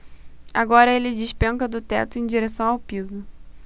agora ele despenca do teto em direção ao piso